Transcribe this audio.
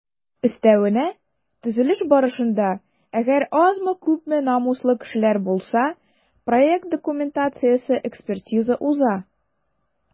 Өстәвенә, төзелеш барышында - әгәр азмы-күпме намуслы кешеләр булса - проект документациясе экспертиза уза.